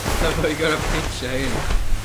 Fatha bo' fi gor'o pitsio rhein.